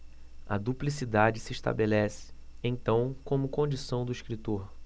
a duplicidade se estabelece então como condição do escritor